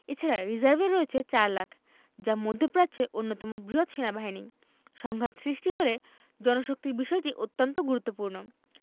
এ ছাড়া রিজার্ভে রয়েছে ৪ লাখ যা মধ্যপ্রাচ্যের অন্যতম বৃহৎ সেনাবাহিনী সংঘাত সৃষ্টি হলে জনশক্তির বিষয়টি অন্তত গুরুত্বপূর্ণ